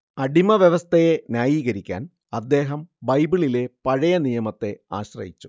അടിമവ്യവസ്ഥയെ ന്യായീകരിക്കാൻ അദ്ദേഹം ബൈബിളിലെ പഴയനിയമത്തെ ആശ്രയിച്ചു